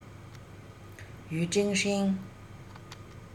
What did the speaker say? ཡུས ཀྲེང ཧྲེང